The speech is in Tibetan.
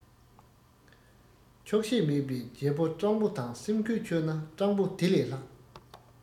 ཆོག ཤེས མེད པའི རྒྱལ པོ སྤྲང པོ དང སེམས གོས ཆོད ན སྤྲང པོ དེ ལས ལྷག